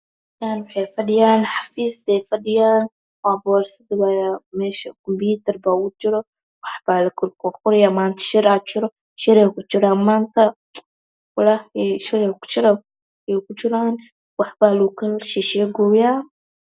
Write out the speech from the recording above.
Sharbuu ku jiraa walalkey shir. Buu ku jiraa